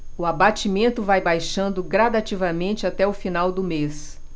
o abatimento vai baixando gradativamente até o final do mês